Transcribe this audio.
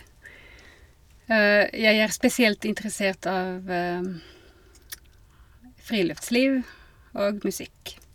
Jeg er spesielt interessert av friluftsliv og musikk.